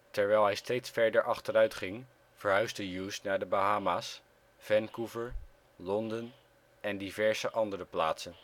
Terwijl hij steeds verder achteruit ging verhuisde Hughes naar de Bahama 's, Vancouver, Londen, en diverse andere plaatsen